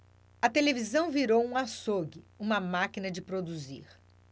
a televisão virou um açougue uma máquina de produzir